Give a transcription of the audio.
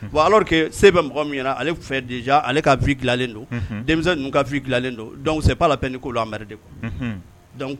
Bon alors que se bɛ mɔgɔ min. ye ale fɛ déja ale ka vie dilanlen don, unhun, denmisɛn ninnu ka vie dilanlen don donc c'est pas la peine i k'u emmerder donc .